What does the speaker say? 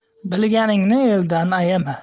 bilganingni eldan ayama